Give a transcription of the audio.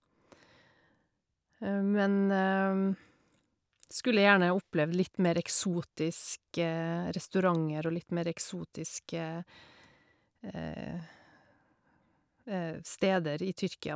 Men skulle gjerne opplevd litt mer eksotiske restauranter og litt mer eksotiske steder i Tyrkia.